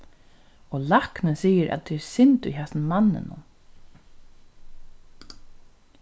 og læknin sigur at tað er synd í hasum manninum